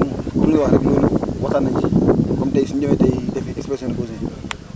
waaw comme comme li nga wax rek loolu waxtaan nañ si comme tey suñ ñëwee tey defi expression de besoin